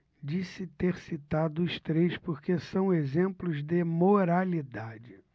disse ter citado os três porque são exemplos de moralidade